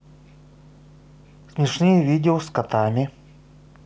смешные видео с котами